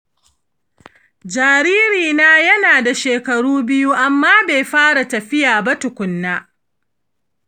jaririna yana da shekaru biyu amma bai fara tafiya ba tukuna